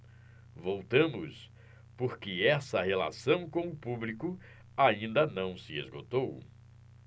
voltamos porque essa relação com o público ainda não se esgotou